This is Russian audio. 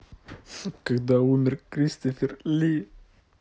когда умер кристофер ли